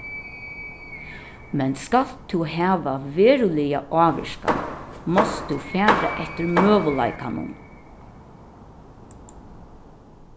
men skalt tú hava veruliga ávirkan mást tú fara eftir møguleikanum